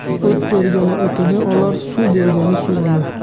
o't bergan o'tini olar suv bergan suvini